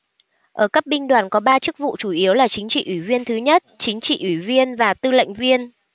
ở cấp binh đoàn có ba chức vụ chủ yếu là chính trị ủy viên thứ nhất chính trị ủy viên và tư lệnh viên